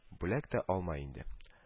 Бүләк тә алма инде